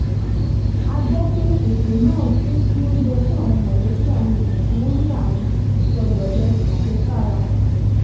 A gbọ́ pé ètò náà tún ń pín oúnjẹ fún àwọn mọ̀lẹ́bí àwọn èèyàn tí wọ́n ní Ààrùn Ìsọdọ̀lẹ Àjẹsára.